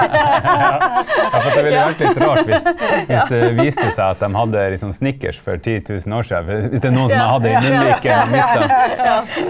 ja for det ville vært litt rart hvis hvis det viste seg at dem hadde liksom Snickers for 10000 år sia hvis det er noen som hadde det i munnvika og mista.